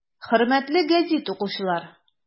Хөрмәтле гәзит укучылар!